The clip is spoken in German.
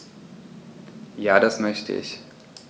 Ja, das möchte ich.